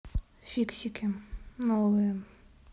фиксики новые